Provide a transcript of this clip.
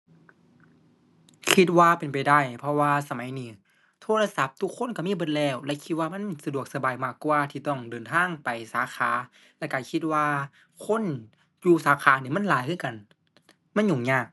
คิดว่าเป็นไปได้ เพราะว่าสมัยนี้โทรศัพท์ทุกคนก็มีเบิดแล้ว แล้วคิดว่ามันสะดวกสบายมากกว่าที่ต้องเดินทางไปสาขา แล้วก็คิดว่าคนอยู่สาขานี่มันหลายคือกัน มันยุ่งยาก